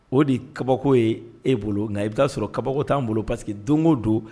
O de kabako ye e bolo nka i bɛ'a sɔrɔ kaba t'an bolo parce que donko don